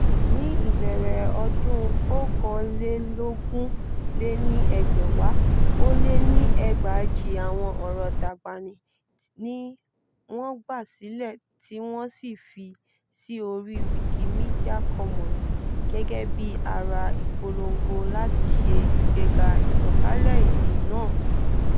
Ní ìbẹ̀rẹ̀ ọdún 2021, ó lé ní 4000 àwọn ọ̀rọ̀ Dagbani ni wọ́n gbà sílẹ̀ tí wọ́n sì fi sí orí Wikimedia Commons gẹ́gẹ́ bíi ara ìpolongo láti ṣe ìgbéga ìtànkálẹ̀ èdè náà